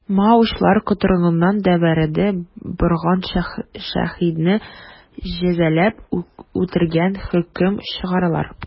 Маочылар котырынган дәвердә Борһан Шәһидине җәзалап үтерергә хөкем чыгаралар.